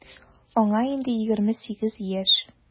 Аңа инде 28 яшь.